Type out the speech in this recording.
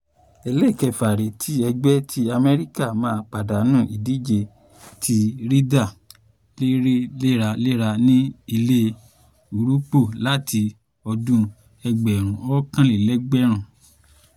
Ẹlẹ́kẹ̀ẹfà rèé tí ẹgbẹ́ ti Amẹ́ríkà máa pàdánù ìdíje ti Ryder léraléra ní ilẹ̀ Úróópù láti ọdún 1994